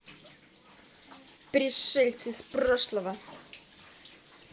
пришельцы из прошлого